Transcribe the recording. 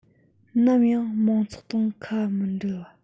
ནམ ཡང མང ཚོགས དང ཁ མི འབྲལ བ